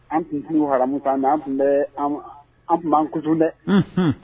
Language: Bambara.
An tun tunu hamu tun bɛ an tun b anan ku dɛ